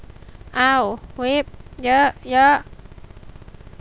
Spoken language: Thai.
เอาวิปเยอะเยอะ